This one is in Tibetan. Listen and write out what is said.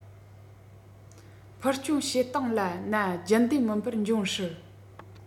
འཕུར སྐྱོད བྱེད སྟངས ལ ན རྒྱུན ལྡན མིན པར འགྱུར སྲིད